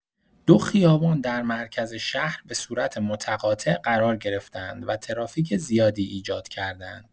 دو خیابان در مرکز شهر به صورت متقاطع قرار گرفته‌اند و ترافیک زیادی ایجاد کرده‌اند.